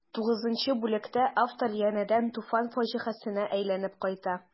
Тугызынчы бүлектә автор янәдән Туфан фаҗигасенә әйләнеп кайта.